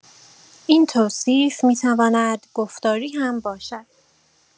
این توصیف می‌تواند گفتاری هم باشد.